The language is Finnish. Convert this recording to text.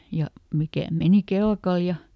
ja mikä meni kelkalla ja